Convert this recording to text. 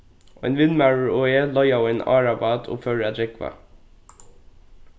ein vinmaður og eg leigaðu ein árabát og fóru at rógva